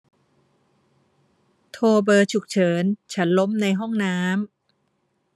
โทรเบอร์ฉุกเฉินฉันล้มในห้องน้ำ